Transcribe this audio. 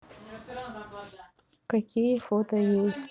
какие фото есть